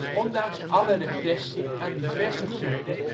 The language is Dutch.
Ondanks alle repressie aan diverse groepen